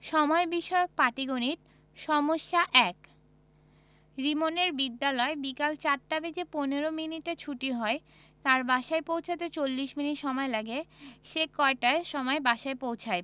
সময় বিষয়ক পাটিগনিতঃ সমস্যা ১ রিমনের বিদ্যালয় বিকাল ৪ টা বেজে ১৫ মিনিটে ছুটি হয় তার বাসায় পৌছাতে ৪০ মিনিট সময়লাগে সে কয়টার সময় বাসায় পৌছায়